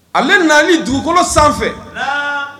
Ale na ni dugukolo sanfɛ